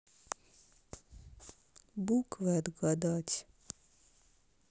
буквы отгадать